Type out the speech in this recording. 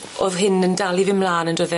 o'dd hyn yn dal i fyn mlan on'd o'dd e?